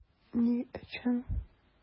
Ни өчен?